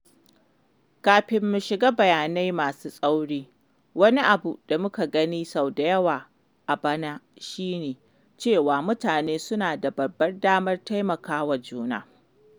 Kafin mu shiga bayanai masu tsauri, wani abu da muka gani sau da yawa a bana shi ne cewa mutane suna da babbar damar taimaka wa juna.